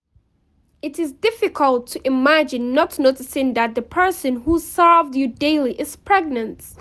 It is difficult to imagine not noticing that the person who served you daily is pregnant.